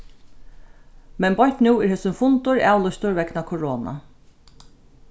men beint nú er hesin fundur avlýstur vegna korona